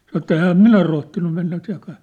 sanoi että enhän minä rohtinut mennä sen kanssa